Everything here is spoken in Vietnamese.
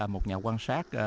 một nhà quan sát